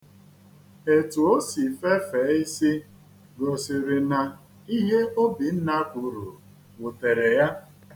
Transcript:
Etu o si fefee isi gosiri na ihe Obinna kwuru wutere ya.